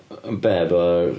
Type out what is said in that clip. Be? Efo...